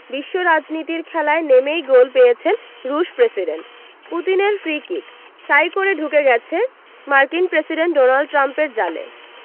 বিশ্ব রাজনীতির খেলায় নেমেই গোল পেয়েছেন রুশ প্রেসিডেন্ট পুতিনের ফ্রি কিক শাঁই করে ঢুকে গেছে মার্কিন প্রেসিডেন্ট ডোনাল্ড ট্রাম্পের জালে